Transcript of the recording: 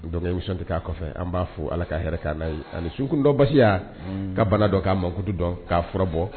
Donc émission tɛ k'a kɔfɛ an b'a fo Ala ka hɛrɛ k'an n'a ye ani ka bana dɔn k'a mankutu dɔn k'a fura bɔ